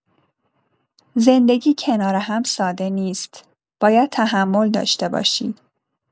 زندگی کنار هم ساده نیست، باید تحمل داشته باشی.